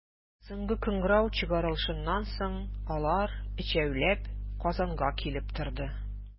Соңгы кыңгырау чыгарылышыннан соң, алар, өчәүләп, Казанга килеп торды.